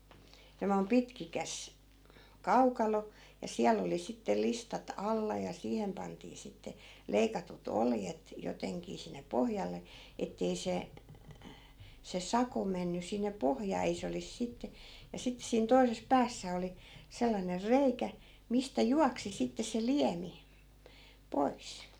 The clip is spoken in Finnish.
semmoinen pitkikäs kaukalo ja siellä oli sitten listat alla ja siihen pantiin sitten leikatut oljet jotenkin sinne pohjalle että ei se se sako mennyt sinne pohjaan ei se olisi sitten ja sitten siinä toisessa päässä oli sellainen reikä mistä juoksi sitten se liemi pois